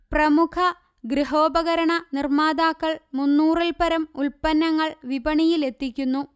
പ്രമുഖ ഗൃഹോപകരണ നിർമാതാക്കൾ മൂന്നൂറില്പരം ഉല്പ്പന്നങ്ങൾ വിപണിയിലെത്തിക്കുന്നു